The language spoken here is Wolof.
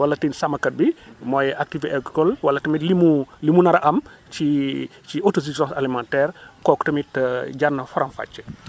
wala tamit sàmmkat bi mooy activité agricole wala tamit li mu li mu nar a am ci ci autosuffisance alimentaire kooku tamit jar na faram-fàccee